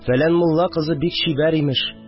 «фәлән мулла кызы бик чибәр, имеш